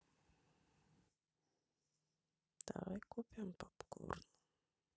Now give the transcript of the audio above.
давай купим попкорн